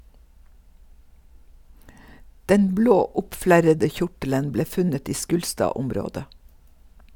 Den blå oppflerrede kjortelen ble funnet i Skulstadområdet.